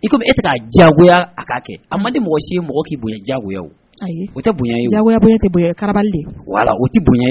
I komi e tɛ k' jagoya a k'a kɛ a man di mɔgɔ si ye mɔgɔ k'i bonya jagoya o o tɛ bonyaya bonyaye tɛ bonyayanbali wala o tɛ bonya